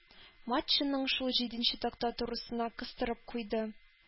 Матчаның шул җиденче такта турысына кыстырып куйды.